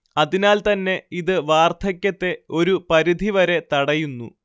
അതിനാൽ തന്നെ ഇത് വാർദ്ധക്യത്തെ ഒരു പരിധി വരെ തടയുന്നു